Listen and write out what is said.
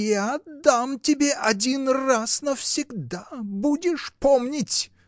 Я дам тебе один раз навсегда: будешь помнить!